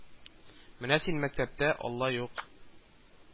Менә син мәктәптә Алла юк